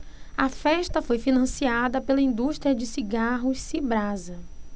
a festa foi financiada pela indústria de cigarros cibrasa